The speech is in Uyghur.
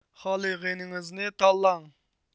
خالىغىنىڭىزنى تاللاڭ